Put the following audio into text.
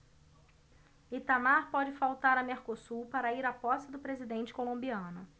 itamar pode faltar a mercosul para ir à posse do presidente colombiano